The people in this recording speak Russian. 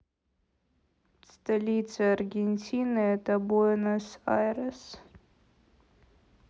столица аргентины это буэнос айрес